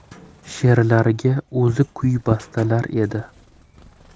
she'rlarga o'zi kuy bastalar edi